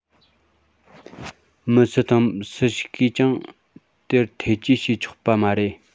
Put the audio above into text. མི སུ དང སུ ཞིག གིས ཀྱང དེར ཐེ ཇུས བྱས ཆོད པ མ རེད